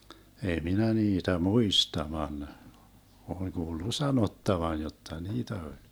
ei minä niitä muista vaan olen kuullut sanottavan jotta niitä oli